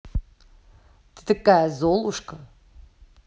ты такая золушка